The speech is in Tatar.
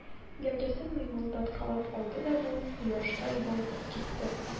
Гәүдәсен мыймылдаткалап алды да бу, кояштай балкып китте.